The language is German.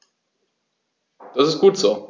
Das ist gut so.